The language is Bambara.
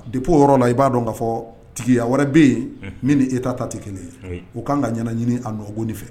De ko yɔrɔ la i b'a dɔn ka fɔ tigi a wɛrɛ bɛ yen min ni e ta ta tɛ kelen ye o k ka kan ka ɲɛna ɲini aɔgɔngin fɛ